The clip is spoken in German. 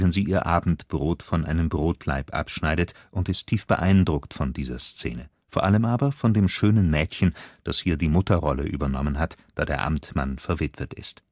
sie ihr Abendbrot von einem Brotlaib abschneidet, und ist tief beeindruckt von dieser Szene; vor allem aber von dem schönen Mädchen, das hier die Mutterrolle übernommen hat, da der Amtmann verwitwet ist